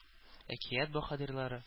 Әкият баһадирлары